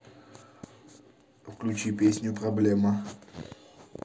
включи песню проблема